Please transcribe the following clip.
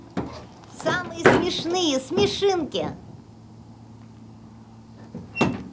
самые смешные смешинки